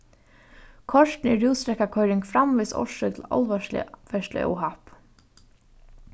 kortini er rúsdrekkakoyring framvegis orsøk til álvarslig ferðsluóhapp